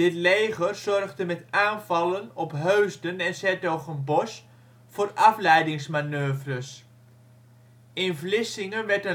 leger zorgde met aanvallen op Heusden en ' s-Hertogenbosch voor afleidingsmanoeuvres. In Vlissingen werd